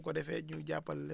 bu ko defee ñu jàppale leen